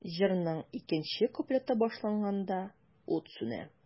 Җырның икенче куплеты башланганда, ут сүнә.